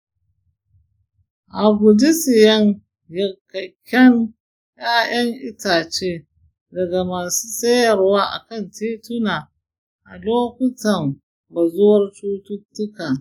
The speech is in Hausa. a guji siyan yankakken 'ya'yan itace daga masu sayarwa a kan tituna a lokutan bazuwar cututtuka.